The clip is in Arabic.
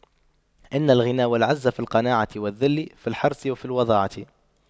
إن الغنى والعز في القناعة والذل في الحرص وفي الوضاعة